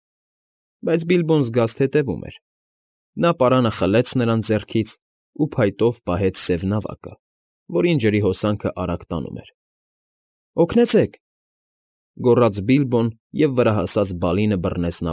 Բայց Բիլբոն զգաստ հետևում էր. նա պարանը խլեց նրանց ձեռքից ու փայտով պահեց սև նավակը, որին ջրի հոքսանքն արագ տանում էր։ ֊ Օգնեցե՛ք,֊ գոռաց Բիլբոն, և վրա հասած Բալինը բռնեց։